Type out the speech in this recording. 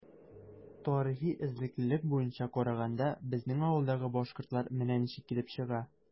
Тарихи эзлеклелек буенча караганда, безнең авылдагы “башкортлар” менә ничек килеп чыга.